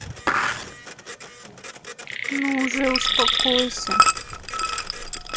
ну уже успокойся